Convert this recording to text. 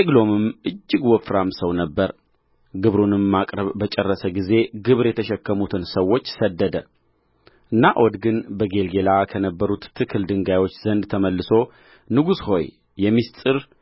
ዔግሎምም እጅግ ወፍራም ሰው ነበረ ግብሩንም ማቅረብ በጨረሰ ጊዜ ግብር የተሸከሙትን ሰዎች ሰደደ ናዖድ ግን በጌልገላ ከነበሩት ትክል ድንጋዮች ዘንድ ተመልሶ ንጉሥ ሆይ የምሥጢር